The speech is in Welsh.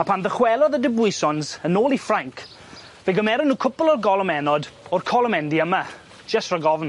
A pan ddychwelodd y Debuisons yn ôl i Ffrainc fe gymeron nw cwpwl o golomennod o'r colomendy yma jes rhag ofn.